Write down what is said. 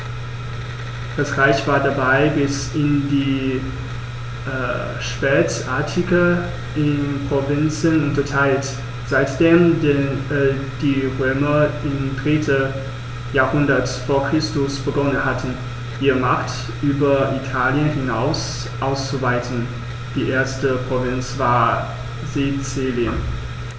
Das Reich war dabei bis in die Spätantike in Provinzen unterteilt, seitdem die Römer im 3. Jahrhundert vor Christus begonnen hatten, ihre Macht über Italien hinaus auszuweiten (die erste Provinz war Sizilien).